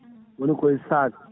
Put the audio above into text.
woni koye sac